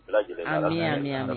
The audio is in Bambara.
Amin Amin